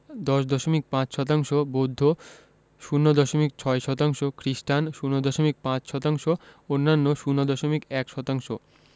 ১০দশমিক ৫ শতাংশ বৌদ্ধ ০ দশমিক ৬ শতাংশ খ্রিস্টান ০দশমিক ৫ শতাংশ অন্যান্য ০দশমিক ১ শতাংশ